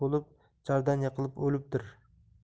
bo'lib jardan yiqilib o'libdir